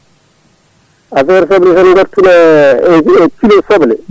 affaire soble tan e nder e kilo soble